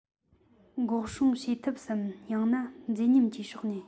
འགོག སྲུང བྱེད ཐབས སམ ཡང ན མཛེས ཉམས ཀྱི ཕྱོགས ནས